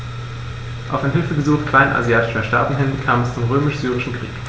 Auf ein Hilfegesuch kleinasiatischer Staaten hin kam es zum Römisch-Syrischen Krieg.